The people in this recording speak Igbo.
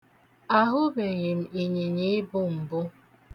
Ahụbeghị m ịnyịnyiibu mbụ.